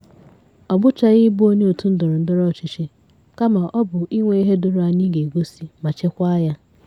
Ọ bụchaghị ịbụ onye otu ndọrọndọrọ ọchịchị, kama ọ bụ inwe ihe doro anya ị ga-egosi, ma chekwaa ya.